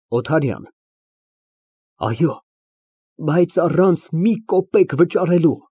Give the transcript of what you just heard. ՕԹԱՐՅԱՆ ֊ Այո, բայց առանց մի կոպեկ վճարելու։